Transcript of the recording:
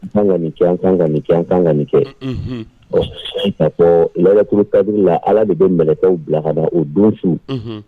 Tan ca an kangaani ca kan ka nin kɛ ɔ fɔ yɛrɛkulutauru la ala de bɛ kɛlɛkaww bilarada o don su